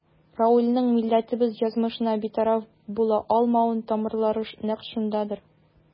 Равилнең милләтебез язмышына битараф була алмавының тамырлары да нәкъ шундадыр.